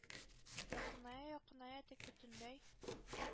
Якыная, якыная... тик бөтенләй